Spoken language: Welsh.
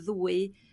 ddwy